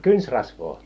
kynsirasvaa